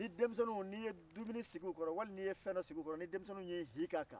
ni denmisɛnniw n'i ye dumuni sigi u kɔrɔ walima n'i ye fɛndɔ sigi u kɔrɔ ni denmisɛnniw ye hi k'a kan